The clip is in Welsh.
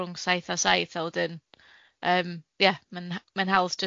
rhwng saith a saith a wedyn yym ia ma'n ha- ma'n haws